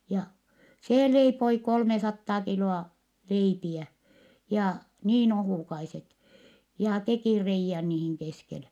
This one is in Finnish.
ja se leipoi kolmesataa kiloa leipiä ja niin ohukaiset ja teki reiän niihin keskelle